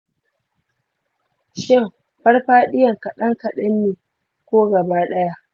shin farfadiyan kadan-kadan ne ko gaba daya?